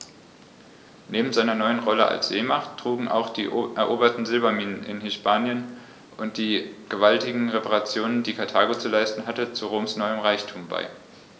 Neben seiner neuen Rolle als Seemacht trugen auch die eroberten Silberminen in Hispanien und die gewaltigen Reparationen, die Karthago zu leisten hatte, zu Roms neuem Reichtum bei.